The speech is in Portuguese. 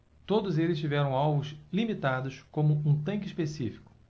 todos eles tiveram alvos limitados como um tanque específico